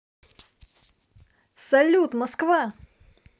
салют москва